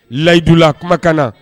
Layidula, kumakan na